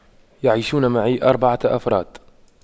يعيشون معي أربعة أفراد